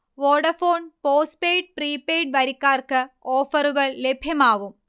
Vodafone postpaid, prepaid, വരികർക് ഓഫറുകൾ ലഭ്യമാണ്